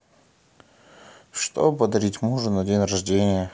что подарить мужу на день рождения